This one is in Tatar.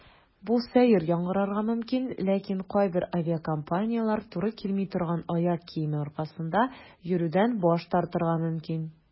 Бу сәер яңгырарга мөмкин, ләкин кайбер авиакомпанияләр туры килми торган аяк киеме аркасында йөртүдән баш тартырга мөмкин.